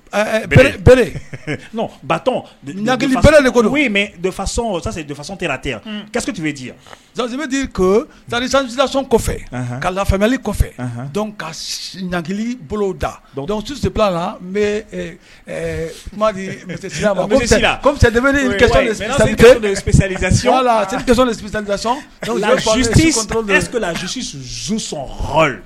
Bere ba bɛɛele de kɔni mɛ defasɔn defasɔn tɛ ten yansi tun bɛ di yan dison kɔfɛ ka lali kɔfɛ ka ɲagakili bolo da susi la n bɛ kuma di